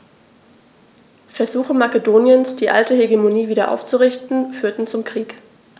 Versuche Makedoniens, die alte Hegemonie wieder aufzurichten, führten zum Krieg.